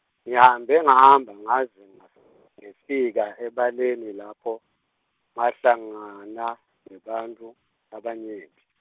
ngihambe ngahamba ngaze ngas- ngefika ebaleni lapho, ngahlangana nebantfu, labanyenti.